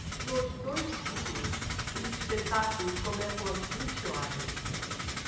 nos dois dias os espetáculos começam às vinte horas